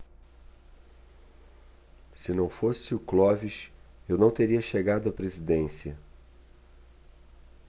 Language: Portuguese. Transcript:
se não fosse o clóvis eu não teria chegado à presidência